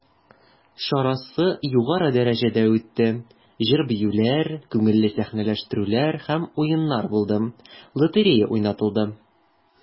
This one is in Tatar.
Чарасы югары дәрәҗәдә үтте, җыр-биюләр, күңелле сәхнәләштерүләр һәм уеннар булды, лотерея уйнатылды.